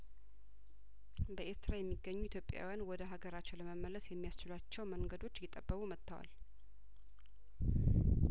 በኤርትራ የሚገኙ ኢትዮጵያዊያን ወደ ሀገራቸው ለመመለስ የሚያስችሏቸው መንገዶች እየጠበቡ መጥተዋል